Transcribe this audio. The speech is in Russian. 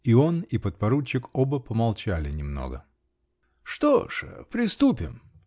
И он и подпоручик, оба помолчали немного. -- Что ж? Приступим!